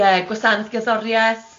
Ie gwasanaeth gerddoriaeth.